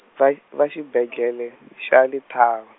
vai-, wa xibedlhele xa Letaba.